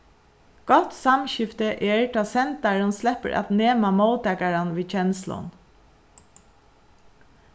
gott samskifti er tá sendarin sleppur at nema móttakaran við kenslum